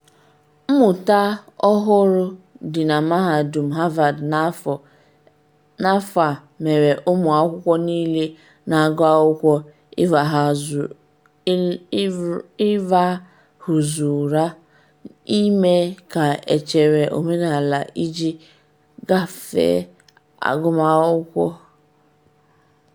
Mmụta ọ hụrụ dị na Mahadum Harvard n’afọ a mere ụmụ akwụkwọ niile na-agụ akwụkwọ ịrahụzu ụra, ime ka echere omenala iji kafin agụ akwụkwọ ‘abalị niile’ aka mgba.’